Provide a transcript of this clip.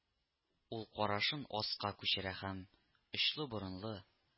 Ул карашын аска күчерә һәм очлы борынлы